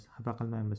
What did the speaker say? xafa qilmaymiz